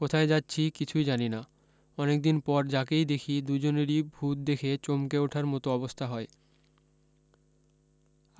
কোথায় যাচ্ছি কিছুই জানি না অনেকদিন পর যাকেই দেখি দুজনেরি ভূত দেখে চমকে ওঠার মত অবস্থা হয়